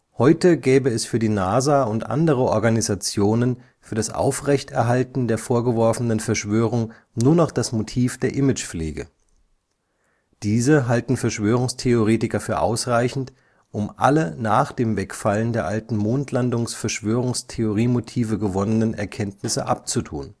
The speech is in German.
Heute gäbe es für die NASA und andere Organisationen für das Aufrechterhalten der vorgeworfenen Verschwörung nur noch das Motiv der Imagepflege. Diese halten Verschwörungstheoretiker für ausreichend, um alle nach dem Wegfallen der alten Mondlandungs-Verschwörungstheoriemotive gewonnenen Erkenntnisse abzutun